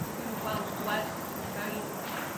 .dydw i'm yn gweld gwerth yn y gair 'na.